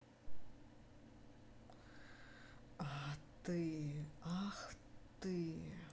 а ты ах ты